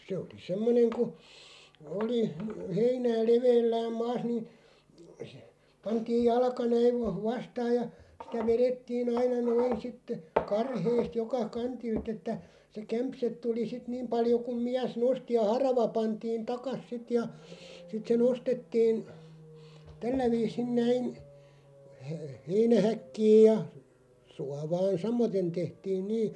se oli semmoinen kun oli heinää leveällään maassa niin se pantiin jalka näin - vastaan ja sitä vedettiin aina noin sitten karheasti joka kantilta että se kämse tuli sitten niin paljon kuin mies nosti ja harava pantiin takaisin sitten ja sitten se nostettiin tällä viisin näin - heinähäkkiin ja suovaan samaten tehtiin niin